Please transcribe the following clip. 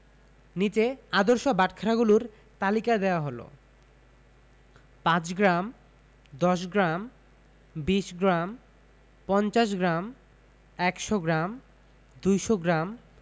নিচে আদর্শ বাটখারাগুলোর তালিকা দেয়া হলঃ ৫ গ্রাম ১০গ্ৰাম ২০ গ্রাম ৫০ গ্রাম ১০০ গ্রাম ২০০ গ্রাম